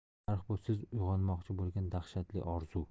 tarix bu siz uyg'onmoqchi bo'lgan dahshatli orzu